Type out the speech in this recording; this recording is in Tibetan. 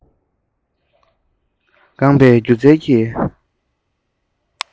འགངས པའི སྒྱུ རྩལ གྱི